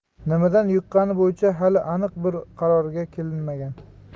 nimadan yuqqani bo'yicha hali aniq bir qarorga kelinmagan